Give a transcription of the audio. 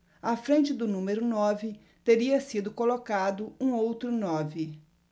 à frente do número nove teria sido colocado um outro nove